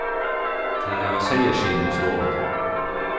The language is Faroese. tey hava seyðaskinn í stovuni